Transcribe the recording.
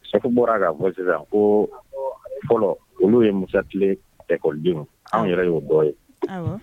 Sabu bɔra ka bon sisan ko fɔlɔ olu ye musatikɔden anw yɛrɛ y'o bɔ ye